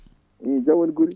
i jaam woni guure